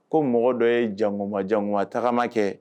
Ko mɔgɔ dɔ ye jankuma ma jankuma tagama kɛ